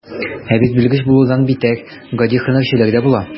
Ә бит белгеч булудан битәр, гади һөнәрчеләр дә була.